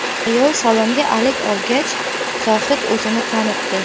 ayol salomga alik olgach zohid o'zini tanitdi